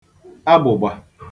agbụ̀gbà